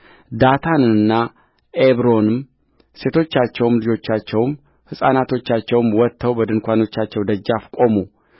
ዳታንና አቤሮንም ሴቶቻቸውም ልጆቻቸውም ሕፃናቶቻቸውም ወጥተው በድንኳኖቻቸው ደጃፍ ቆሙ